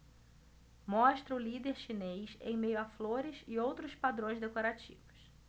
mostra o líder chinês em meio a flores e outros padrões decorativos